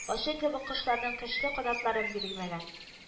Лачын кебек кошларның көчле канатларын бирелмәгән